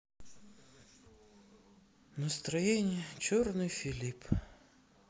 настроения черный филипп